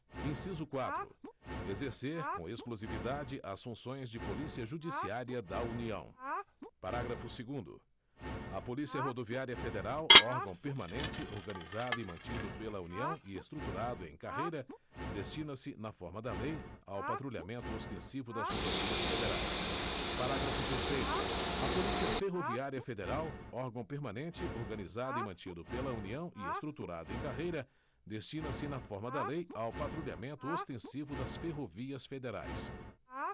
inciso quatro exercer com exclusividade as funções de polícia judiciária da união parágrafo segundo a polícia rodoviária federal órgão permanente organizado e mantido pela união e estruturado em carreira destina se na forma da lei ao patrulhamento ostensivo das rodovias federais parágrafo terceiro a polícia ferroviária federal órgão permanente organizado e mantido pela união e estruturado em carreira destina se na forma da lei ao patrulhamento ostensivo das ferrovias federais